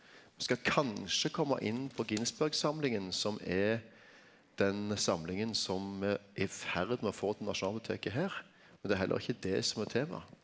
me skal kanskje komma inn på Ginsberg-samlinga som er den samlinga som me er i ferd med å få til Nasjonalbiblioteket her, men det er heller ikkje det som er tema.